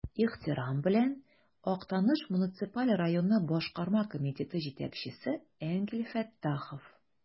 Ихтирам белән, Актаныш муниципаль районы Башкарма комитеты җитәкчесе Энгель Фәттахов.